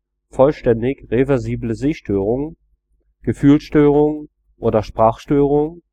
vollständig reversible Sehstörungen, Gefühlsstörungen oder Sprachstörungen